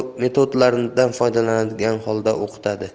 metodlardan foydalangan holda o'qitadi